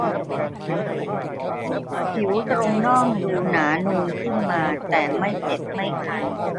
ผิวตรงน่องดูหนานูนขึ้นมาแต่ไม่เจ็บไม่คัน